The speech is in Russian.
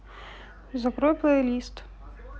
закрой плейлист